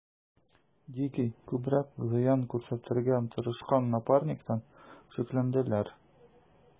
Дикий күбрәк зыян күрсәтергә тырышкан Напарниктан шикләнделәр.